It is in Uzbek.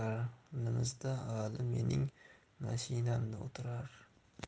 vali mening mashinamda o'tirar